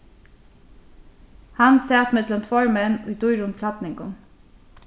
hann sat millum tveir menn í dýrum klædningum